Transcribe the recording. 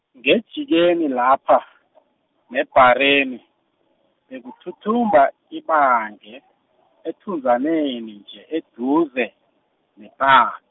ngejikeni lapha , nebhareni, bekuthuthumba ibange, ethunzaneni nje, eduze, nepa-.